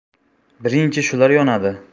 birinchi shular yonadi